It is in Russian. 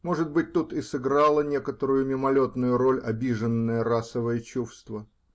Может быть, тут и сыграло некоторую мимолетную роль обиженное расовое чувство.